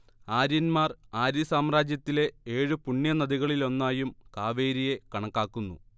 ആര്യന്മാർ ആര്യസാമ്രാജ്യത്തിലെ ഏഴു പുണ്യ നദികളിലൊന്നായും കാവേരിയെ കണക്കാക്കുന്നു